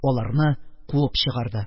Аларны куып чыарды.